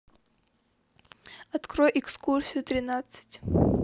открой экскурсию тринадцать